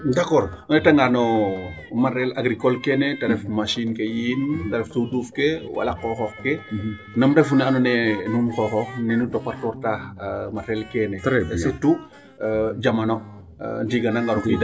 d' accord i ndetangaa no materiel agricole keene ta ref machine ke yiin te ref tuuduuf ke wala qooqoox ke nam refu ne andoona ye nuun xoxoox neenu topatortaa materiel keene surtout jamano ndiiga naangaa rokiidaa.